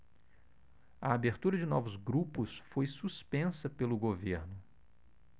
a abertura de novos grupos foi suspensa pelo governo